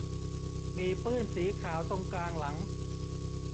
มีปื้นสีขาวตรงกลางหลัง